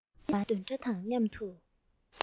མ ཎི འདོན སྒྲ དང མཉམ དུ